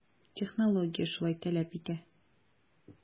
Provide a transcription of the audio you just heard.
Технология шулай таләп итә.